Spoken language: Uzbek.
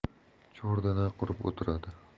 chordana qurib o'tiradi